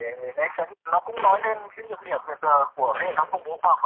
để né tránh nó cũng nói lên cái nhược điểm hiện giờ của cái hệ thống công bố khoa học